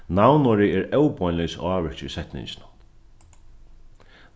navnorðið er óbeinleiðis ávirki í setninginum